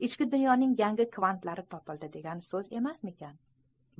ichki dunyoning yangi kvantlari topildi degan so'z emasmikin